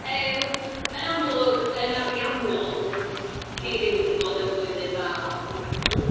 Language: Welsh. Yym, yn amlwg, yn ariannol, 'di ddim 'di bod yn flwyddyn dda o gwbl.